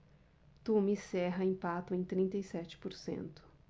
tuma e serra empatam em trinta e sete por cento